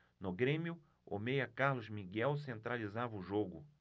no grêmio o meia carlos miguel centralizava o jogo